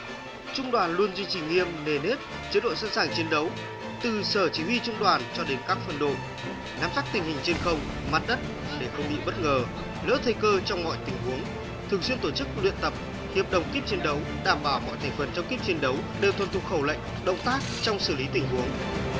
trung đoàn luôn duy trì nghiêm nền nếp chế độ sẵn sàng chiến đấu từ sở chỉ huy trung đoàn cho đến các phân đội nắm chắc tình hình trên không mặt đất để không bị bất ngờ lỡ thời cơ trong mọi tình huống thường xuyên tổ chức luyện tập hiệp đồng kíp chiến đấu đảm bảo mọi thành phần trong kíp chiến đấu đều thuần thục khẩu lệnh động tác trong xử lý tình huống